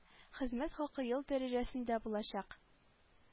Хезмәт хакы ел дәрәҗәсендә булачак